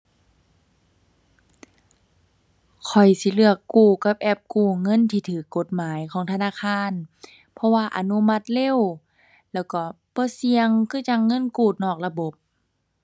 ข้อยสิเลือกกู้กับแอปกู้เงินที่ถูกกฎหมายของธนาคาร เพราะว่าอนุมัติเร็ว แล้วก็บ่เสี่ยงคือจั่งเงินกู้นอกระบบ